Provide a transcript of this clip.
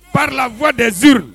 Balafɔ de zuru